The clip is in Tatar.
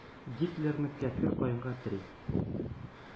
Гитлерны кәкре каенга тери.